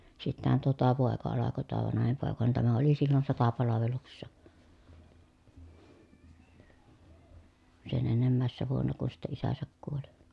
sittenhän tuo tuo poika alkoi tuo vanhin poika niin tämä oli silloin sotapalveluksessa sen ennemmäisenä vuonna kun sitten isänsä kuoli